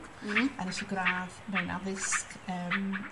Hmm. A nesh i gradd mewn addysg yym